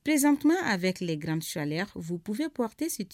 présentement avec la grande chaleur vous pouvez porter